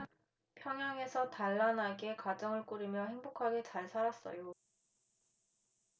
평양에서 단란하게 가정을 꾸리며 행복하게 잘 살았어요